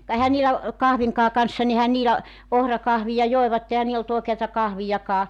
ka eihän niillä kahvinkaan kanssa niin eihän niillä ohrakahvia joivat eihän niillä ollut oikeata kahviakaan